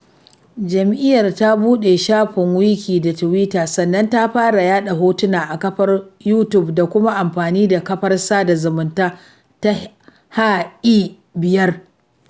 Jami'iyyar ta buɗe shafin Wiki da tiwita, sannan ta fara yaɗa hotuna a kafar Youtube da kuma amfani da kafar sada zamunta ta Hi-5.